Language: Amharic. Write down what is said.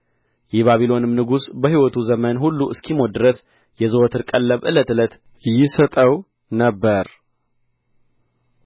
የባቢሎንም ንጉሥ በሕይወቱ ዘመን ሁሉ እስኪሞት ድረስ የዘወትር ቀለብ ዕለት ዕለት ይሰጠው ነበር